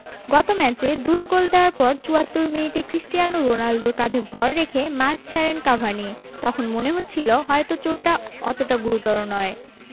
গত ম্যাচে দুই গোল দেওয়ার পর ৭৪ মিনিটে ক্রিস্টিয়ানো রোনালদোর কাঁধে ভর রেখে মাঠ ছাড়েন কাভানি তখন মনে হচ্ছিল হয়তো চোটটা অতটা গুরুতর নয়